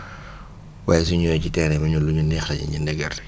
waaye su ñu ñëwee ci terrain bi ñun lu ñu neex la ñuy jëndee gerte